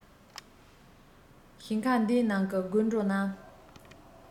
ཞིང ཁ འདིའི ནང གི དགུན གྲོ རྣམས